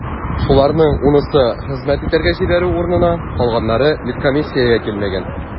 Шуларның унысы хезмәт итәргә җибәрү урынына, калганнары медкомиссиягә килмәгән.